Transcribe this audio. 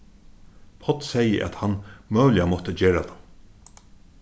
páll segði at hann møguliga mátti gera tað